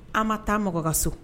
An ma taa mɔgɔ ka so